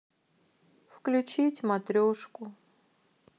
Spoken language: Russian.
включить матрешку